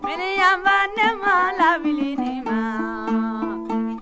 miniyanba ne m'a lawuli nin ma